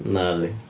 Nadi.